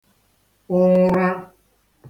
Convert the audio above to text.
ụṅra